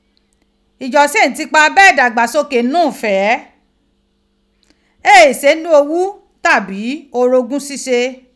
Ijo se n ti ipa bee dagbasoke n nu ife, e e se n nu oghu tabi orogun sise.